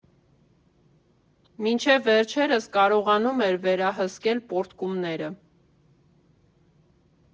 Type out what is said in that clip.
Մինչև վերջերս՝ կարողանում էր վերահսկել պոռթկումները։